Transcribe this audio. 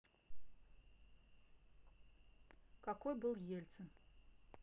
какой был ельцин